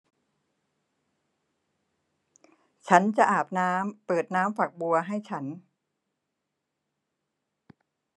ฉันจะอาบน้ำเปิดน้ำฝักบัวให้ฉัน